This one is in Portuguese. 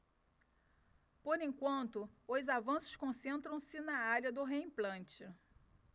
por enquanto os avanços concentram-se na área do reimplante